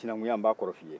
sinankunya n b'a kɔrɔ f'i ye